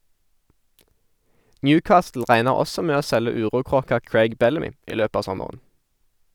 Newcastle regner også med å selge urokråka Craig Bellamy i løpet av sommeren.